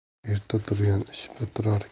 erta turgan ish bitirar